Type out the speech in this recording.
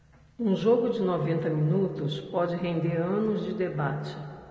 um jogo de noventa minutos pode render anos de debate